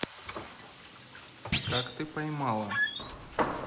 как ты поймала